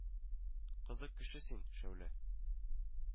Кызык кеше син, Шәүлә